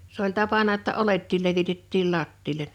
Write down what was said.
se oli tapana jotta oljetkin levitettiin lattialle